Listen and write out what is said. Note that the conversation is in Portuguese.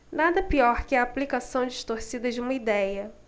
nada pior que a aplicação distorcida de uma idéia